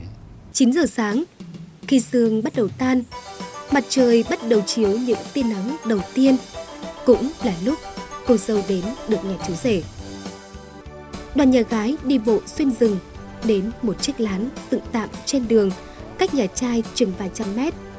chín giờ sáng khi sương bắt đầu tan mặt trời bắt đầu chiếu những tia nắng đầu tiên cũng là lúc cô dâu đến được nhà chú rể đoàn nhà gái đi bộ xuyên rừng đến một chiếc lán dựng tạm trên đường cách nhà trai chừng vài trăm mét